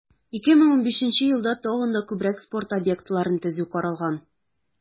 2015 елда тагын да күбрәк спорт объектларын төзү каралган.